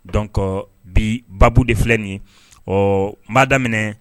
Donc bii baabu de filɛ nin ye ɔɔ ma daminɛɛ